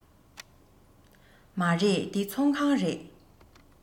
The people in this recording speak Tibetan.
མ རེད འདི ཚོང ཁང རེད